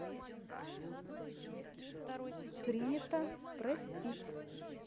принять простить